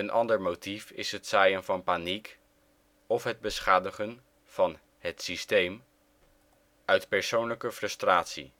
ander motief is het zaaien van paniek, of het beschadigen van " het systeem " uit persoonlijke frustratie